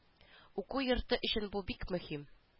Уку йорты өчен бу бик мөһим